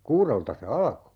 kuudelta se alkoi